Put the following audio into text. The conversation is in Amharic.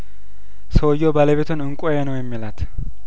ሰውዬው ባለቤቱን እንቋ ነው የሚላት